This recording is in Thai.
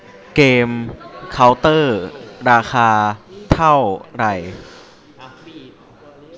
เกมเค้าเตอร์ราคาเท่าไหร่